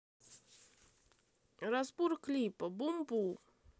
разбор клипа бум бум